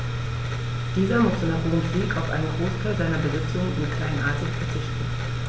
Dieser musste nach Roms Sieg auf einen Großteil seiner Besitzungen in Kleinasien verzichten.